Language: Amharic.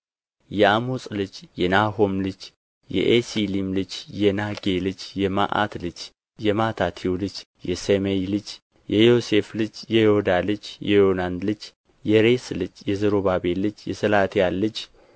የአሞጽ ልጅ የናሆም ልጅ የኤሲሊም ልጅ የናጌ ልጅ የማአት ልጅ የማታትዩ ልጅ የሴሜይ ልጅ የዮሴፍ ልጅ የዮዳ ልጅ የዮናን ልጅ የሬስ ልጅ የዘሩባቤል ልጅ የሰላትያል ልጅ